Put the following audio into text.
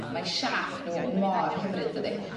mae siâp n'w mor hyfryd dydi?